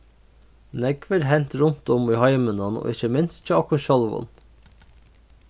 nógv er hent runt um í heiminum og ikki minst hjá okkum sjálvum